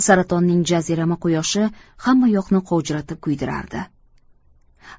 saratonning jazirama quyoshi hammayoqni qovjiratib kuydiradi